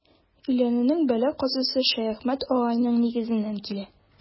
Өйләнүнең бәла-казасы Шәяхмәт агайның нигезеннән килә.